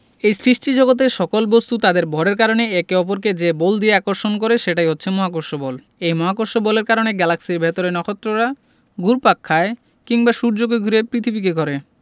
এই সৃষ্টিজগতের সকল বস্তু তাদের ভরের কারণে একে অপরকে যে বল দিয়ে আকর্ষণ করে সেটাই হচ্ছে মহাকর্ষ বল এই মহাকর্ষ বলের কারণে গ্যালাক্সির ভেতরে নক্ষত্ররা ঘুরপাক খায় কিংবা সূর্যকে ঘিরে পৃথিবীকে ঘোরে